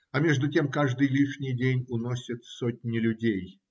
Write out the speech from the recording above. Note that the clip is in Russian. А между тем каждый лишний день уносит сотни людей.